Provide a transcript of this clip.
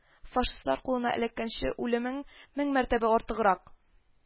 Фашистлар кулына эләккәнче, үлемең мең мәртәбә артыграк